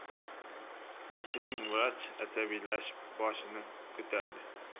yechining vrach asabiylashib boshini ko'tardi